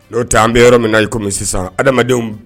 N'o tɛ an bɛ yɔrɔ min na i ko sisan, adamadenw